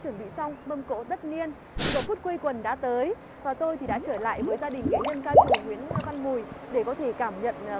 chuẩn bị xong mâm cỗ tất niên giờ phút quây quần đã tới và tôi thì đã trở lại với gia đình nghệ nhân ca trù nguyễn ư văn mùi để có thể cảm nhận